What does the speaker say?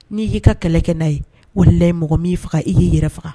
N'i y'i ka kɛlɛ kɛ n na ye walila ye mɔgɔ min'i faga i y'i yɛrɛ faga